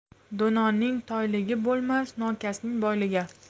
do'nonning toyligi bo'lmas nokasning boyligi